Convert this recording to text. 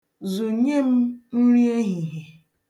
Zụnye m nri ehihie.